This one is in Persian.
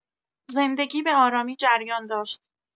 زندگی به‌آرامی جریان داشت.